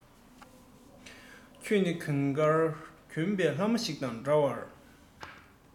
ཁྱེད ནི གོས དཀར གྱོན པའི ལྷ མོ ཞིག དང འདྲ བར